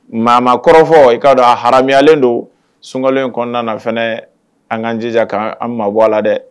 Maa ma kɔrɔfɔ i k'a don a hayalen don sunkalo in kɔnɔna na fana an k'a lajɛ k'an mabɔ a la dɛ!